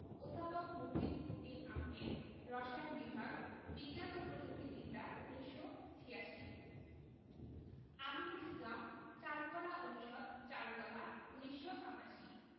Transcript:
অধ্যাপক মফিজ উদ দীন আহমেদ রসায়ন বিভাগ বিজ্ঞান ও প্রযুক্তি বিদ্যা ১৯৮৬ আমিনুল ইসলাম চারুকলা অনুষদ চারুকলা ১৯৮৮